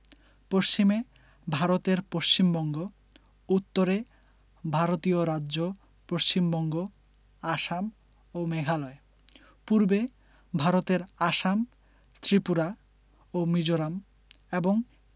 পশ্চিমে ভারতের পশ্চিমবঙ্গ উত্তরে ভারতীয় রাজ্য পশ্চিমবঙ্গ আসাম ও মেঘালয় পূর্বে ভারতের আসাম ত্রিপুরা ও মিজোরাম এবং